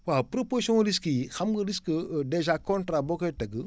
waaw propositions risques yi xam nga risque dèjà contrat boo koy tëgg